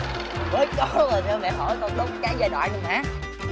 mới có mà sao mẹ hỏi con đốt cháy giai đoạn dậy mẹ